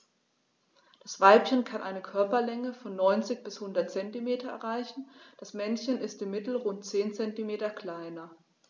Das Weibchen kann eine Körperlänge von 90-100 cm erreichen; das Männchen ist im Mittel rund 10 cm kleiner.